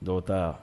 Dɔw ta yan